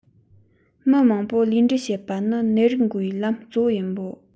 མི མང པོར ལུས འབྲེལ བྱེད པ ནི ནད རིགས འགོ བའི ལམ གཙོ བོ ཡིན པའོ